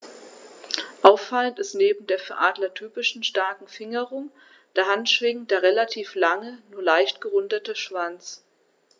Auffallend ist neben der für Adler typischen starken Fingerung der Handschwingen der relativ lange, nur leicht gerundete Schwanz.